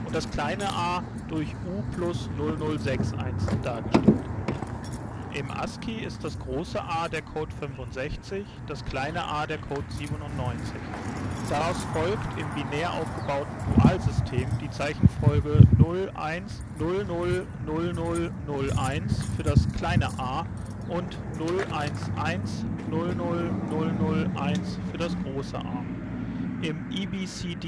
das kleine „ a “durch U+0061 dargestellt. Im ASCII ist das große „ A “der Code 65, das kleine „ a “der Code 97, daraus folgt im binär aufgebauten Dualsystem die Zeichenfolge 01000001 für das kleine „ a “und 01100001 für das große „ A “. Im EBCDIC